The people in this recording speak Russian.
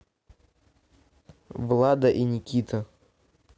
влада и никита